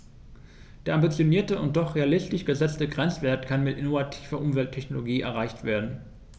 Der ambitionierte und doch realistisch gesetzte Grenzwert kann mit innovativer Umwelttechnologie erreicht werden.